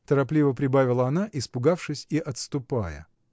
— торопливо прибавила она, испугавшись и отступая.